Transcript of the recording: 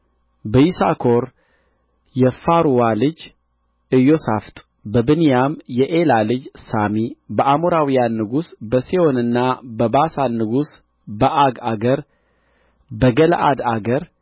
በይሳኮር የፋሩዋ ልጅ ኢዮሣፍጥ በብንያም የኤላ ልጅ ሳሚ በአሞራውያን ንጉሥ በሴዎንና በባሳን ንጉሥ በዐግ አገር በገለዓድ አገር